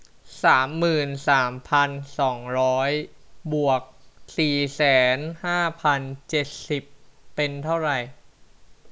สามหมื่นสามพันสองร้อยบวกสี่แสนห้าพันเจ็ดสิบเป็นเท่าไร